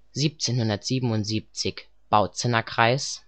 1777: Bautzener Kreis